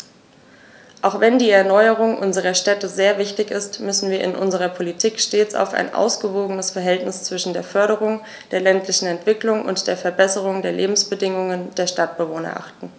Auch wenn die Erneuerung unserer Städte sehr wichtig ist, müssen wir in unserer Politik stets auf ein ausgewogenes Verhältnis zwischen der Förderung der ländlichen Entwicklung und der Verbesserung der Lebensbedingungen der Stadtbewohner achten.